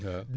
waaw